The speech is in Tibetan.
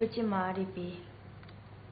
ཁོང ཁ ལག མཆོད ཀྱི མ རེད པས